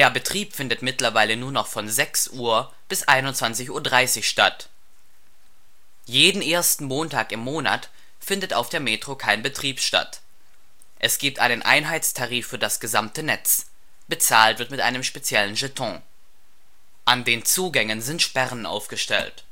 Betrieb findet mittlerweile nur noch von 06:00 bis 21:30 Uhr statt. Jeden ersten Montag im Monat findet auf der Metro kein Betrieb statt. Es gibt einen Einheitstarif für das gesamte Netz, bezahlt wird mit einem speziellen Jeton. An den Zugängen sind Sperren aufgestellt